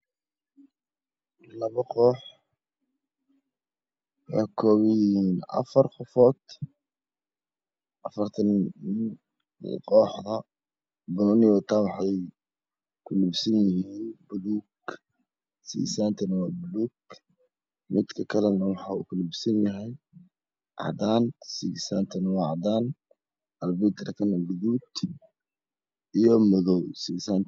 Labo koox koox waxey ku labisan yihiin dhar cadaan ah kooda kale waxey ku labisan yihiin dhar gaduud ah